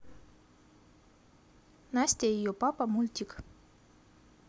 настя и ее папа мультик